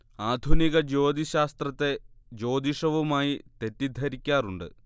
ആധുനിക ജ്യോതിശ്ശാസ്ത്രത്തെ ജ്യോതിഷവുമായി തെറ്റിദ്ധരിക്കാറുണ്ട്